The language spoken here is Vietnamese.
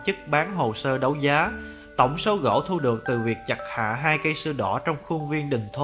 bán hồ sơ đấu giá tổng số gỗ thu được từ việc chặt hạ cây sưa đỏ trong khuôn viên đình thôn phụ chính